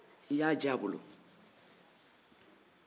i y'a diya a bolo